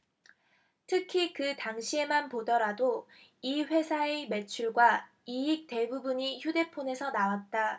특히 그 당시에만 보더라도 이 회사의 매출과 이익 대부분이 휴대폰에서 나왔다